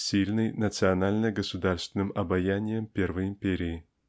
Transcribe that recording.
сильный национально-государственным обаянием первой Империи.